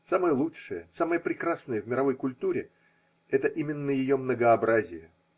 Самое лучшее, самое прекрасное в мировой культуре – это именно ее многообразие.